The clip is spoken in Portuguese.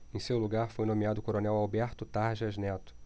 em seu lugar foi nomeado o coronel alberto tarjas neto